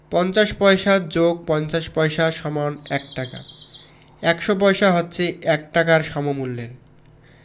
৫০ পয়সা + ৫০ পয়স = ১ টাকা ১০০ পয়সা হচ্ছে ১ টাকার সমমূল্যের